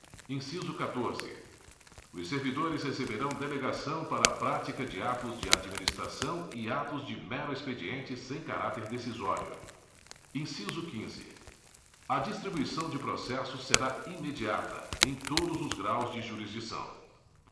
inciso catorze os servidores receberão delegação para a prática de atos de administração e atos de mero expediente sem caráter decisório inciso quinze a distribuição de processos será imediata em todos os graus de jurisdição